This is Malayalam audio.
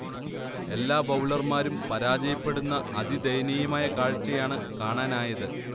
എല്ലാ ബൌളർമാരും പരാജയപ്പെടുന്ന അതിദയനീയമായ കാഴ്ചയാണ് കാണാനായത്